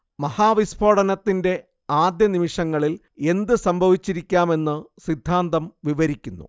മഹാവിസ്ഫോടനത്തിന്റെ ആദ്യനിമിഷങ്ങളിൽ എന്തു സംഭവിച്ചിരിയ്ക്കാമെന്നു സിദ്ധാന്തം വിവരിയ്ക്കുന്നു